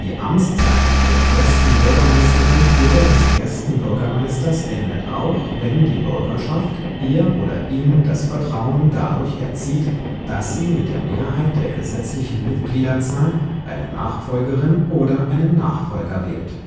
Amtszeit [der Ersten Bürgermeisterin oder] des Ersten Bürgermeisters endet auch, wenn die Bürgerschaft [ihr oder] ihm das Vertrauen dadurch entzieht, dass sie mit der Mehrheit der gesetzlichen Mitgliederzahl [eine Nachfolgerin oder] einen Nachfolger wählt